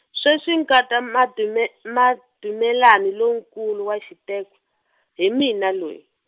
sweswi nkata Madume- Madumelani lonkulu wa xiteka, hi mina loyi.